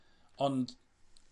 Ond